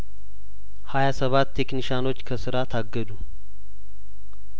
ሀያሰባት ቴክኒሽያኖች ከስራ ታገዱ